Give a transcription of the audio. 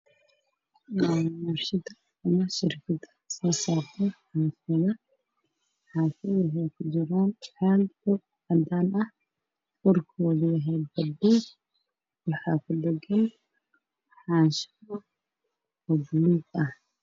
Halkaan waxaa ka muuqdo waa warshada biyaha waxaana yaalo biyo caafi oo yar yar furkana waa buluug